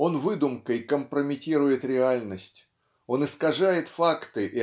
Он выдумкой компрометирует реальность он искажает факты